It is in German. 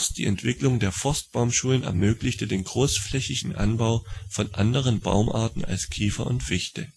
die Entwicklung der Forstbaumschulen ermöglichte den großflächigen Anbau von anderen Baumarten als Kiefer und Fichte